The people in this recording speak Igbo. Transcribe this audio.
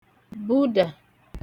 budà